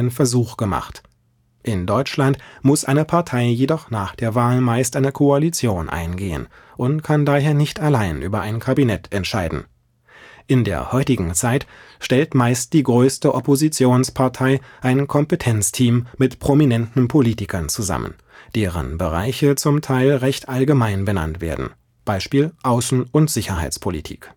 Versuch gemacht. In Deutschland muss eine Partei jedoch nach der Wahl meist eine Koalition eingehen und kann daher nicht allein über ein Kabinett entscheiden. In der heutigen Zeit stellt meist die (größte) Oppositionspartei ein „ Kompetenzteam “mit prominenten Politikern zusammen, deren Bereiche zum Teil recht allgemein benannt werden („ Außen - und Sicherheitspolitik